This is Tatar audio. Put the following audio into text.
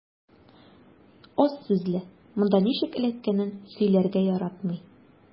Аз сүзле, монда ничек эләккәнен сөйләргә яратмый.